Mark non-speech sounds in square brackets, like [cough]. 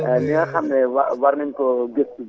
[hesitation] waa li nga xam ne wa war nañu koo gëstu